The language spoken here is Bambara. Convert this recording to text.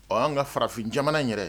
Ɔ y'an ka farafin jamana yɛrɛ